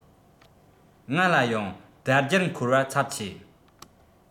ང ལ ཡང དྲ རྒྱར འཁོར བ འཚབ ཆེ